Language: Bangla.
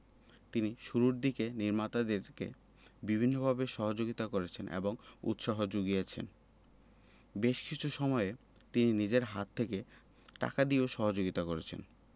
তিনি শুরুর দিকে নির্মাতাদেরকে বিভিন্নভাবে সহযোগিতা করেছেন এবং উৎসাহ যুগিয়েছেন বেশ কিছু সময়ে তিনি নিজের হাত থেকে টাকা দিয়েও সহযোগিতা করেছেন